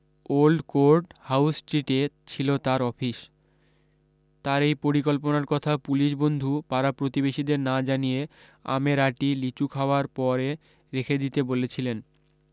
old court house স্ট্রীটে ছিল তার অফিস তার এই পরিকল্পনার কথা পুলিশ বন্ধু পাড়া প্রতিবেশীদের না জানিয়ে আমের আঁটি লিচু খাওয়ার পরে রেখে দিতে বলেছিলেন